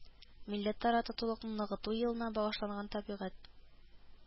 Милләтара татулыкны ныгыту елына багышланган Табигать